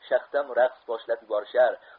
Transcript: shahdam raqs boshlab yuborishar